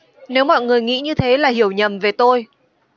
nếu mọi người nghĩ như thế là hiểu nhầm về tôi